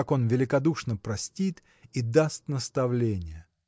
как он великодушно простит и даст наставление.